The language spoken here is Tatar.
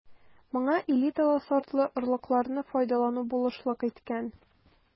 Моңа элиталы сортлы орлыкларны файдалану булышлык иткән.